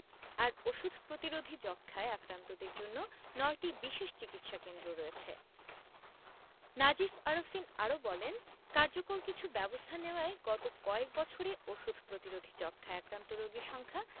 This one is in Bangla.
আর ওষুধ প্রতিরোধী যক্ষ্মায় আক্রান্তদের জন্য ৯টি বিশেষ চিকিৎসাকেন্দ্র রয়েছে নাজিস আরফিন বলেন কার্যকর কিছু ব্যবস্থা নেয়ায় গত কয়েক বছরে ওষুধ প্রতিরোধী যক্ষ্মায় আক্রান্ত রোগীর সংখ্যা